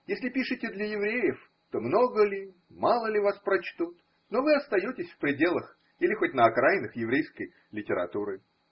Если пишете для евреев, то много ли, мало ли вас прочтут, но вы остаетесь в пределах или хоть на окраинах еврейской литературы.